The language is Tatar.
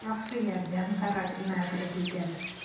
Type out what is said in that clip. «яхшы ярдәм, карательный отряд илтәбез...»